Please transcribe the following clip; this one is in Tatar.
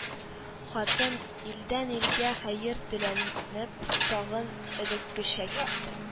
Хатын, илдән-илгә хәер теләнеп, тагын элеккечә китте